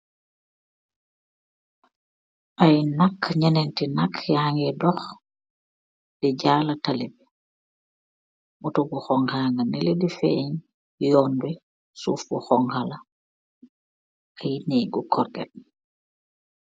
Iiiy nak, njenenti nak yangeh dokh di jaalah tali bi, motor bu honha nga nehleh di fengh, yon bi suff bu honha la, iiiy nehggu corrgate.